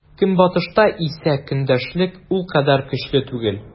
Көнбатышта исә көндәшлек ул кадәр көчле түгел.